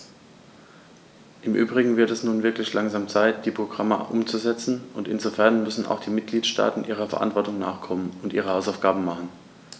Im übrigen wird es nun wirklich langsam Zeit, die Programme umzusetzen, und insofern müssen auch die Mitgliedstaaten ihrer Verantwortung nachkommen und ihre Hausaufgaben machen.